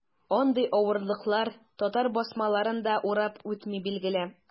Андый авырлыклар татар басмаларын да урап үтми, билгеле.